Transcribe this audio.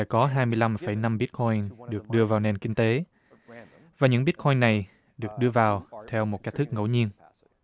có hai mươi lăm phẩy năm bít con được đưa vào nền kinh tế và những bít con này được đưa vào theo một cách thức ngẫu nhiên